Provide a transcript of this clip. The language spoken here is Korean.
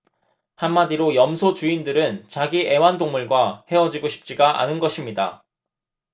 한마디로 염소 주인들은 자기 애완동물과 헤어지고 싶지가 않은 것입니다